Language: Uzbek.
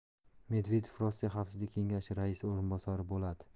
medvedev rossiya xavfsizlik kengashi raisi o'rinbosari bo'ladi